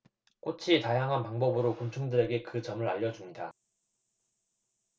꽃이 다양한 방법으로 곤충들에게 그 점을 알려 줍니다